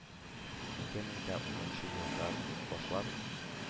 Ике мең дә унынчы елдан башлап